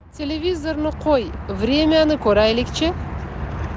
televizorni qo'y vremya ni ko'raylik chi